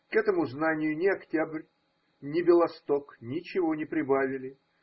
к этому знанию ни октябрь, ни Белосток ничего не прибавили.